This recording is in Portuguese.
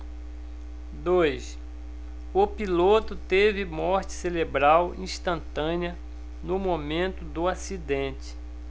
dois o piloto teve morte cerebral instantânea no momento do acidente